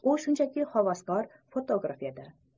u shunchaki havaskor fotograf edi